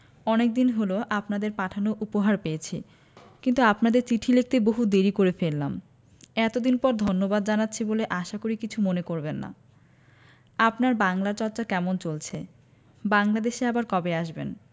অনেকদিন হল আপনাদের পাঠানো উপহার পেয়েছি কিন্তু আপনাদের চিঠি লিখতে বহু দেরী করে ফেললাম এতদিন পরে ধন্যবাদ জানাচ্ছি বলে আশা করি কিছু মনে করবেন না আপনার বাংলা চর্চা কেমন চলছে বাংলাদেশে আবার কবে আসবেন